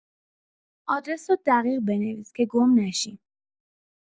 آدرس رو دقیق بنویس که گم نشیم